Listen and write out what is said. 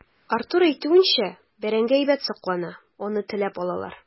Артур әйтүенчә, бәрәңге әйбәт саклана, аны теләп алалар.